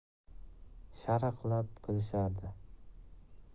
sharaqlab kulishardi